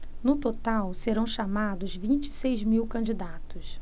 no total serão chamados vinte e seis mil candidatos